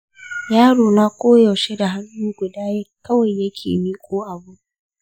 yarona koyaushe da hannu guda ɗaya kawai yake miƙo abu